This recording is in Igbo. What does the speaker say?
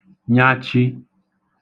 nyachi